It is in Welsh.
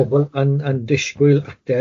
...ma' pobl yn yn dishgwyl ateb